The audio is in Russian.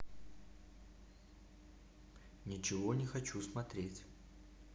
ничего не хочу смотреть